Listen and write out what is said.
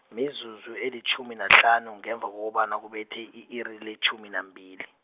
mizuzu elitjhumi nahlanu ngemva kokobana kubethe i-iri letjhumi nambili.